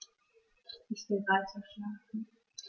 Ich will weiterschlafen.